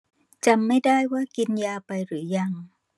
จำไม่ได้ว่ากินยาไปหรือยัง